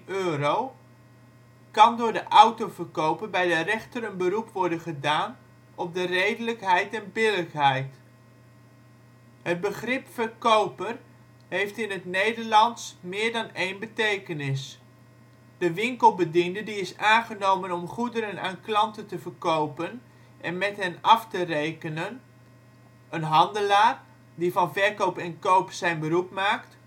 euro, kan door de autoverkoper bij de rechter een beroep worden gedaan op de redelijkheid en billijkheid. Het begrip verkoper heeft in het Nederlands meer dan één betekenis: De winkelbediende die is aangenomen om goederen aan klanten te verkopen en met hen af te rekenen; een handelaar, die van verkoop en koop zijn beroep maakt